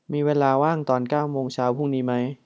มีเวลาว่างตอนเก้าโมงเช้าพรุ่งนี้ไหม